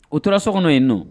O tora sokɔnɔ yeni nɔ